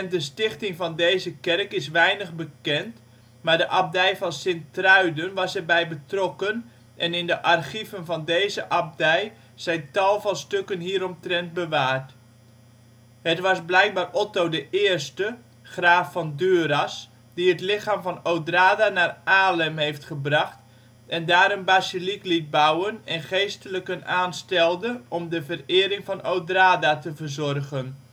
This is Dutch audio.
de stichting van deze kerk is weinig bekend, maar de Abdij van Sint-Truiden was erbij betrokken en in de archieven van deze abdij zijn tal van stukken hieromtrent bewaard. Het was blijkbaar Otto I, Graaf van Duras, die het lichaam van Odrada naar Alem heeft gebracht en daar een basiliek liet bouwen en geestelijken aanstelde om de verering van Odrada te verzorgen